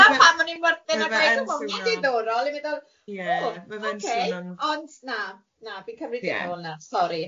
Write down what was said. wel dyna na pam odd e'n diddorol o'n i'n meddwl... Ie ma' fe'n swnio'n ocê. ...ond na na fi'n cymryd di nôl na sori.